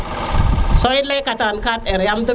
so ley ka tàn 4R